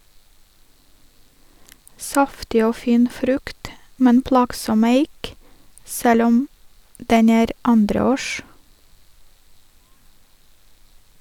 Saftig og fin frukt, men plagsom eik selv om den er andreårs.